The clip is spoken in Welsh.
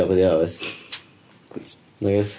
Ti'n gwbod pwy 'di o dwyt? Nadwyt?